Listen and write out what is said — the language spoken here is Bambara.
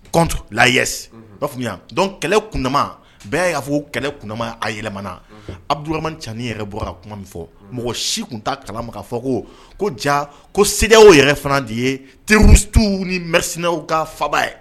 Kɔn la b'a faamuya yan dɔn kɛlɛ kunma bɛɛ'a y'a fɔ ko kɛlɛ kunma a yɛlɛmana aduurama caani yɛrɛ bɔra ka kuma min fɔ mɔgɔ si tun ta kalanmakan fɔ ko ko ja ko seginna o yɛrɛ fana de ye terituw ni misinaw ka faba ye